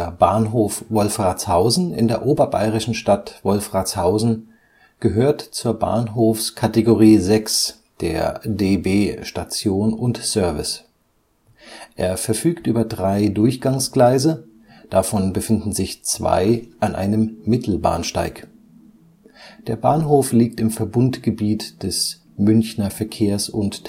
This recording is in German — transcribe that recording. Bahnhof Wolfratshausen in der oberbayerischen Stadt Wolfratshausen gehört zur Bahnhofskategorie 6 der DB Station&Service. Er verfügt über drei Durchgangsgleise, davon befinden sich zwei an einem Mittelbahnsteig. Der Bahnhof liegt im Verbundgebiet des Münchner Verkehrs - und